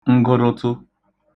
ngụrụtụ